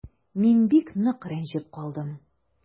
Мин бик нык рәнҗеп калдым.